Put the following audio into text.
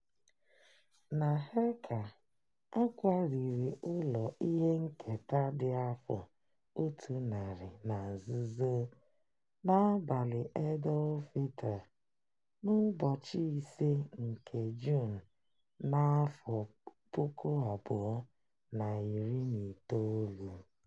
Na Dhaka, e kwariri ụlọ ihe nketa dị afọ otu narị na nzuzo n'abalị Eid-ul-Fitr n'ụbọchị 5 nke Juun, 2019.